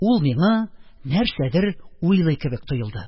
Ул миңа нәрсәдер уйлый кебек тоелды.